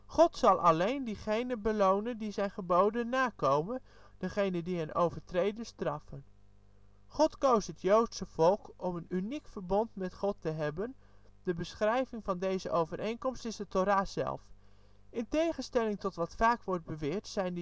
God zal alleen diegenen belonen die zijn geboden nakomen, de diegenen die hen overtreden straffen. God koos het joodse volk om een uniek verbond met God te hebben; de beschrijving van deze overeenkomst is de Thora zelf. In tegenstelling tot wat vaak wordt beweerd, zijn